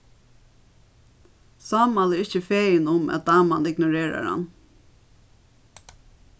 sámal er ikki fegin um at daman ignorerar hann